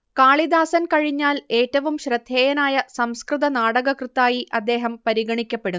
കാളിദാസൻ കഴിഞ്ഞാൽ ഏറ്റവും ശ്രദ്ധേയനായ സംസ്കൃതനാടകകൃത്തായി അദ്ദേഹം പരിഗണിക്കപ്പെടും